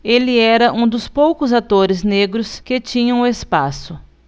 ele era um dos poucos atores negros que tinham espaço